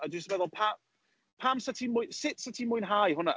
A dwi jyst yn meddwl, pa- pam 'set ti'n mwy- sut 'set ti'n mwynhau hwnna?